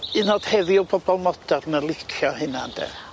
'yd 'n o'd heddiw pobol modern yn licio hynna ynde?